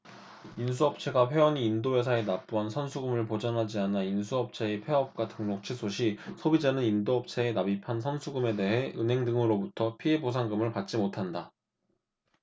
인수업체가 회원이 인도회사에 납부한 선수금을 보전하지 않아 인수업체의 폐업과 등록취소 시 소비자는 인도업체에 납입한 선수금에 대해 은행 등으로부터 피해보상금을 받지 못한다